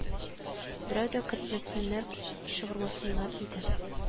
Берәү дә кертмәсеннәр чыгармасыннар иде